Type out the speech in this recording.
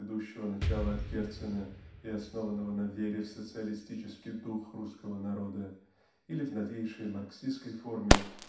ведущего начало от Герцена и основанного на вере в социалистический дух русского народа или в новейшей марксистской форме